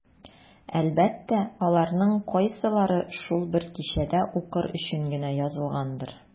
Әлбәттә, аларның кайсылары шул бер кичәдә укыр өчен генә язылгандыр.